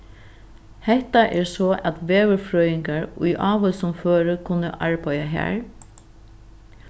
hetta er so at veðurfrøðingar í ávísum føri kunnu arbeiða har